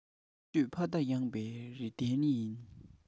རྣམ དཔྱོད ཕ མཐའ ཡངས པའི རིག ལྡན ཡིན